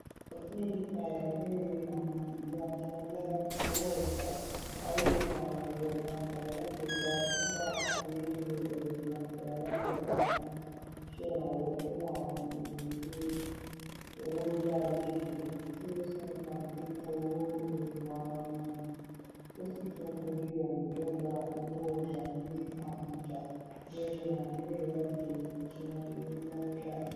Yàtọ̀ sí ipa ẹ lórí àwọn ìró ajẹmọ́ òwò/ọjà, a rí ipa àwọn ẹ̀rọ ìbánisọ̀rọ̀ alágbéká nígbà tí lílo ẹ̀rọ ìbánisọ̀rọ̀ alágbéká ń ṣerànwọ́ fún àwọn ibi tí ọwọ́já lè dé tí ó sì ń fà ìdínkù owó ìwáróyìn, ó sì tún kojú àìdọ́gbá owó ọjà ní àwọn ọjà, bí ó ṣe hàn nínú ìwádìí tí wọn ṣe ní Niger yìí.